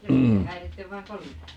mm